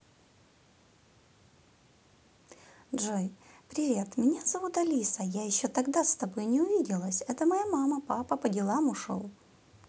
джой привет меня зовут алиса я еще тогда с тобой не увиделась это моя мама папа по делам ушел